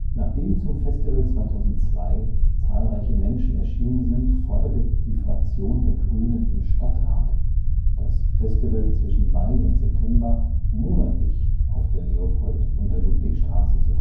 Nachdem zum Festival 2002 zahlreiche Menschen erschienen sind, forderte die Fraktion der Grünen im Stadtrat, das Festival zwischen Mai und September monatlich auf der Leopold - und der Ludwigstraße zu veranstalten